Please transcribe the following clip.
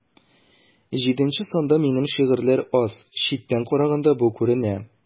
Җиденче санда минем шигырьләр аз, читтән караганда бу күренә.